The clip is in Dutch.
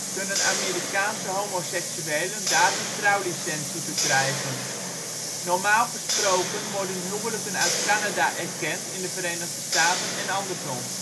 kunnen Amerikaanse homoseksuelen daar hun trouwlicentie verkrijgen. Normaal gesproken worden huwelijken uit Canada erkend in de Verenigde Staten en andersom